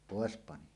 pois pani